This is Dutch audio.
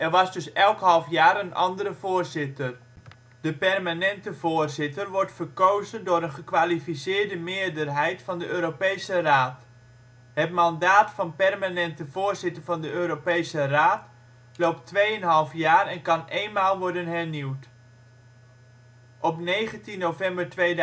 was dus elk halfjaar een andere voorzitter. De permanente voorzitter wordt verkozen door een gekwalificeerde meerderheid van de Europese Raad. Het mandaat van permanente voorzitter van de Europese Raad loopt 2,5 jaar en kan éénmaal worden hernieuwd. Op 19 november 2009